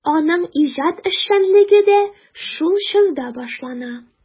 Аның иҗат эшчәнлеге дә шул чорда башлана.